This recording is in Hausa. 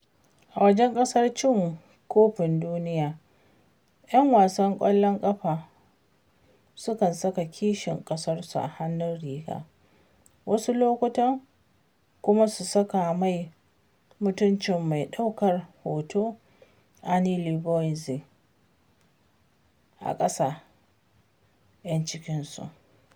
A wajen Gasar Cin Kofin Duniya, 'yan wasan ƙwallon ƙafa sukan saka kishin ƙasarsu a hannun riga wasu lokutan kuma su saka mai mutuncin mai ɗaukar hoto, Annie Leibowwitz a ka 'yan cikinsu.